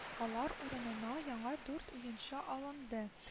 Алар урынына яңа дүрт уенчы алынды